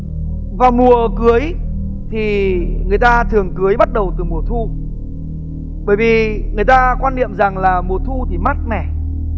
vào mùa cưới thì người ta thường cưới bắt đầu từ mùa thu bởi vì người ta quan niệm rằng là mùa thu thì mát mẻ